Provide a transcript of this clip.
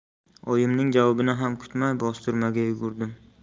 oyimning javobini ham kutmay bostirmaga yugurdim